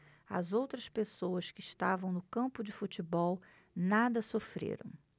as outras pessoas que estavam no campo de futebol nada sofreram